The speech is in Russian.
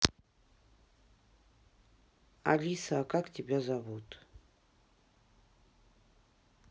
алиса а как тебя зовут